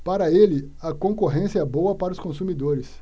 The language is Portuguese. para ele a concorrência é boa para os consumidores